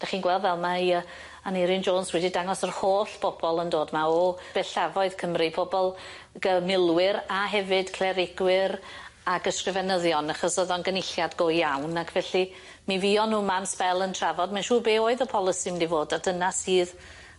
'Dach chi'n gweld fel mai yy Aneurin Jones wedi dangos yr holl bobol yn dod 'ma o bellafoedd Cymru pobol gy- milwyr a hefyd clerigwyr ag ysgrifenyddion achos o'dd o'n gynulliad go iawn ac felly mi fuon nw 'ma am sbel yn trafod mae'n siŵr be' oedd y polisi mynd i fod a dyna sydd